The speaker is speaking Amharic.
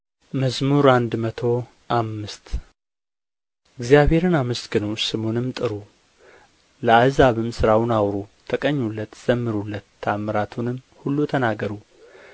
መዝሙር መቶ አምስት እግዚአብሔርን አመስግኑ ስሙንም ጥሩ ለአሕዛብም ሥራውን አውሩ ተቀኙለት ዘምሩለት ተአምራቱንም ሁሉ ተናገሩ